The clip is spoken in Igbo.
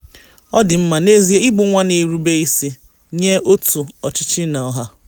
Ọ dị mma, n'ezie ị bụ nwa na-erube isi nye òtù ọchịchị na ọha.